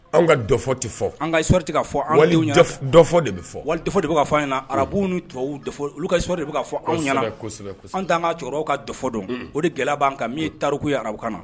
Anw ka dɔfɔ tɛ fɔ an kaɔririti k ka fɔ wali dɔ de bɛ wali dɔ de k ka fɔ ɲɛna arabuu ni tɔwbabu olu ka de ka fɔ anw kosɛbɛ an' ka cɛkɔrɔba ka dɔfɔ dɔn o de gɛlɛya b'an kan ye tariku ye arabukan na